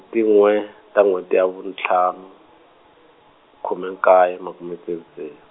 ti n'we ta n'wheti ya vuntlhanu, khume nkaye makume tsevu tsevu.